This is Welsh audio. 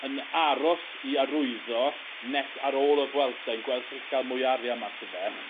yn aros i arwyddo nes ar ôl y Vuelta i gweld os o'dd e gallu ca'l mwy o arian mas o fe.